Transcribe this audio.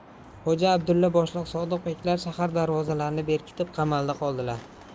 xo'ja abdulla boshliq sodiq beklar shahar darvozalarini berkitib qamalda qoldilar